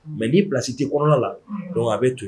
Mɛ'i bilasi tɛ kɔnɔna la don a bɛ to